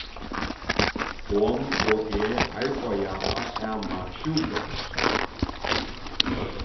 hon og eg arbeiða á sama sjúkrahúsi